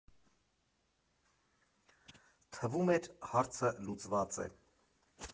Թվում էր՝ հարցը լուծված է։